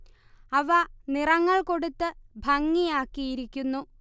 അവ നിറങ്ങൾ കൊടുത്ത് ഭംഗിയാക്കിയിരിക്കുന്നു